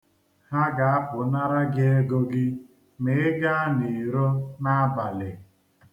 Ha ga-apụnara gị ego gị ma ị gaa n'iro n'abalị.